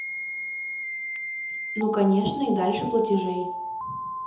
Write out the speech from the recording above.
ну конечно и дальше платежей